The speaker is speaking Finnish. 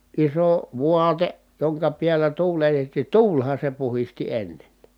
iso vaate jonka päällä tuuletettiin tuulihan se puhdisti ennen